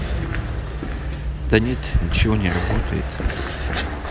да нет ничего не работает